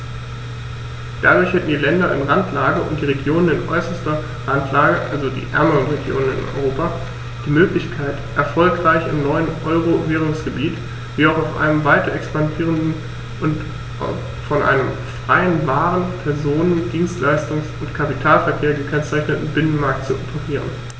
Dadurch hätten die Länder in Randlage und die Regionen in äußerster Randlage, also die ärmeren Regionen in Europa, die Möglichkeit, erfolgreich im neuen Euro-Währungsgebiet wie auch auf einem weiter expandierenden und von einem freien Waren-, Personen-, Dienstleistungs- und Kapitalverkehr gekennzeichneten Binnenmarkt zu operieren.